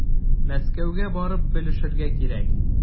Мәскәүгә барып белешергә кирәк.